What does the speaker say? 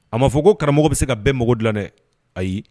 A ma fɔ ko karamɔgɔ bɛ se ka bɛn mago dilan dɛ ayi